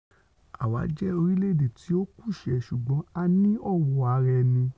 “Àwá jẹ́ orílẹ̀-èdè tí ò kúùṣẹ́, ṣ̵ùgbọ́n a ní ọ̀wọ̀ ara-ẹni.